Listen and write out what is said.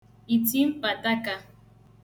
ìtìmpàtakā